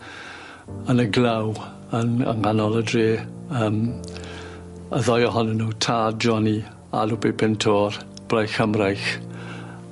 yn y glaw yn yng nghanol y dre yym y ddau ohonyn nw tad Johnny, a Lupe Pintor, braich ym mraich.